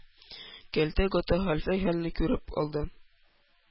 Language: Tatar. Кәлтә Гата хәлфә хәлне күреп алды.